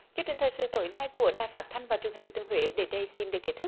chương trình thời sự tối nay của đài phát thanh và truyền hình thừa thiên huế đến đây xin được kết thúc